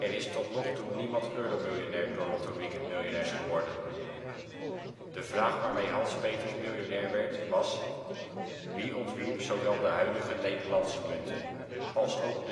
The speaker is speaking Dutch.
is tot nog toe niemand euromiljonair door Lotto Weekend Miljonairs geworden. De vraag waarmee Hans Peters miljonair werd was: " Wie ontwierp zowel de huidige Nederlandse munten, als ook